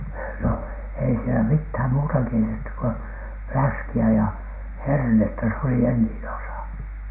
no ei siellä mitään muuta keitetty kuin läskiä ja hernettä se oli enin osa